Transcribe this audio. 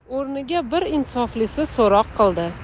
o'rniga bir insoflisi so'roq qildi